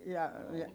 ja ja